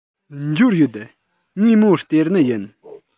འབྱོར ཡོད ངས མོར སྟེར ནི ཡིན